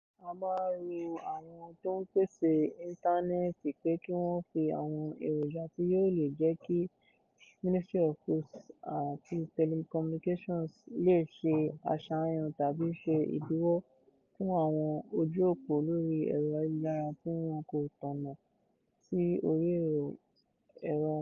A máa rọ àwọn tó ń pèsè Íntánẹ́ẹ̀tì pé kí wọ́n fi àwọn eròjà tí yóò lè jẹ́ kí Ministry of Posts and Telecommunications lè “ṣe àṣàyàn tàbí ṣe ìdíwọ́ fún àwọn ojú òpó lórí ẹ̀rọ ayélujàra tí wọn kò tọ̀nà” sí orí ẹ̀rọ wọn.